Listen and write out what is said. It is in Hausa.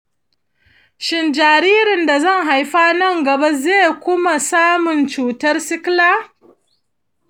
shin jaririn da zan haifa na gaba zai kuma samun cutar sikila?